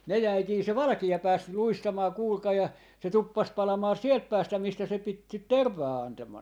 ne jäikin se valkea pääsi luistamaan kuulkaa ja se tuppasi palamaan sieltä päästä mistä se piti sitä tervaa antaman